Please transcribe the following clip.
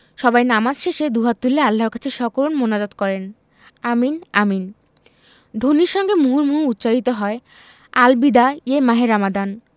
সবাই নামাজ শেষে দুহাত তুলে আল্লাহর কাছে সকরুণ মোনাজাত করে আমিন আমিন ধ্বনির সঙ্গে মুহুর্মুহু উচ্চারিত হয় আল বিদা ইয়ে মাহে রমাদান